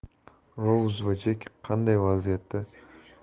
rouz va jek qanday vaziyatda